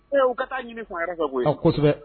Ɛɛ, u ka taa ɲini fan wɛrɛ koyi a, ɛɛkosɛbɛ.